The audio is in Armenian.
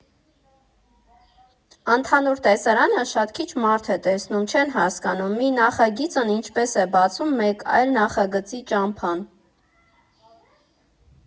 Ընդհանուր տեսարանը շատ քիչ մարդ է տեսնում, չեն հասկանում՝ մի նախագիծն ինչպես է բացում մեկ այլ նախագծի ճամփան։